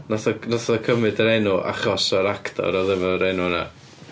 Wnaeth o- wnaeth o cymryd yr enw achos o'r actor odd efo'r enw yna.